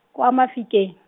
kwa Mafikeng.